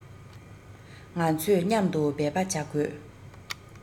ང ཚོས མཉམ དུ འབད པ བྱ དགོས